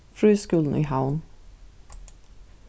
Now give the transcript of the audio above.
frískúlin í havn